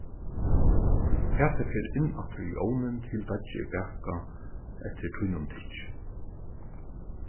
fatið fer inn aftur í ovnin til deiggið er bakað eftir tínum tykki